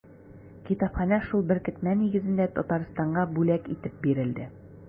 Китапханә шул беркетмә нигезендә Татарстанга бүләк итеп бирелде.